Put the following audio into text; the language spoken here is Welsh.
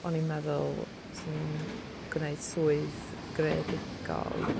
o'n i'n meddwl 'swn i'n gwneud swydd greadigol